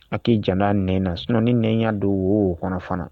A ki janto a nɛn na sinon ni nɛn y'a don wo o wo kɔnɔ fana